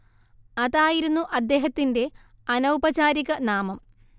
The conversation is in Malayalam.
അതായിരുന്നു അദ്ദേഹത്തിന്റെ അനൗപചാരികനാമം